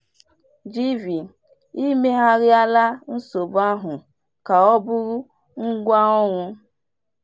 GV: Ị megharịala nsogbu ahụ ka ọ bụrụ ngwá ọrụ.